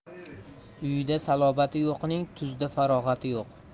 uyida salobati yo'qning tuzda farog'ati yo'q